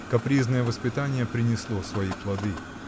капризное воспитание принесло свои плоды.